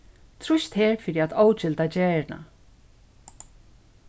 trýst her fyri at ógilda gerðina